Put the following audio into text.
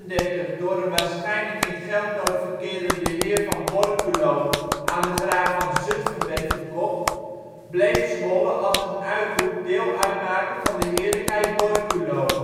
1236 door een waarschijnlijk in geldnood verkerende heer van Borculo aan de graaf van Zutphen werd verkocht, bleef Zwolle als een uithoek deel uitmaken van de heerlijkheid Borculo